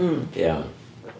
Mm... Iawn.